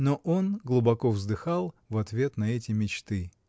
Но он глубоко вздыхал в ответ на эти мечты.